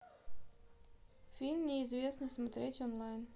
фильм неизвестный смотреть онлайн